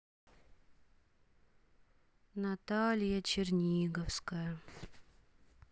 наталья черниговская